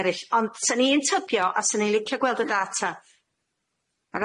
eryll ond 'swn i'n tybio a 'swn i'n licio gweld y data ma'